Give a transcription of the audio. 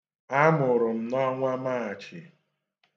A mụrụ m n'ọnwa Maachị.